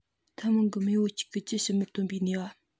ཐུན མོང གི མེས པོ གཅིག གི རྒྱུད ཕྱི མར བཏོན པའི ནུས པ